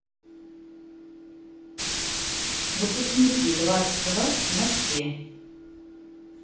выпускники двадцать двадцать в москве